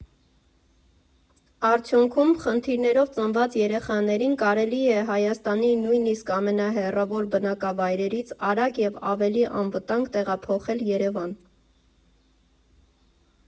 Արդյունքում, խնդիրներով ծնված երեխաներին կարելի է Հայաստանի նույնիսկ ամենահեռավոր բնակավայրերից արագ և ավելի անվտանգ տեղափոխել Երևան։